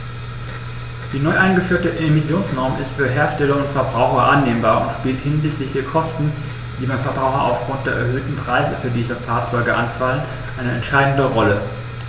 Die neu eingeführte Emissionsnorm ist für Hersteller und Verbraucher annehmbar und spielt hinsichtlich der Kosten, die beim Verbraucher aufgrund der erhöhten Preise für diese Fahrzeuge anfallen, eine entscheidende Rolle.